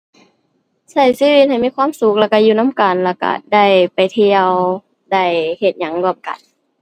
ใช้ชีวิตให้มีความสุขแล้วใช้อยู่นำกันแล้วใช้ได้ไปเที่ยว ได้เฮ็ดหยังร่วมกัน